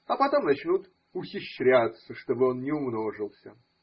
а потом начнут ухищряться, чтобы он не умножился.